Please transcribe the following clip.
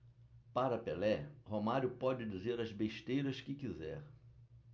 para pelé romário pode dizer as besteiras que quiser